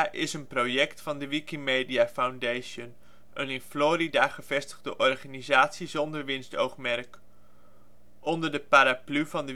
is een project van de Wikimedia Foundation, een in Florida gevestigde organisatie zonder winstoogmerk. Onder de paraplu van